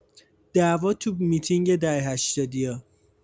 دعوا تو میتینگ دهه هشتادیا